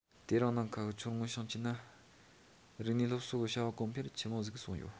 དེ རིང ནིང ཁ གི མཚོ སྔོན ཞིང ཆེན ན རིག གནས སལོབ གསོ གི བྱ བ གོངགའཕེལ ཆི མོ ཟིག སོང ཡོད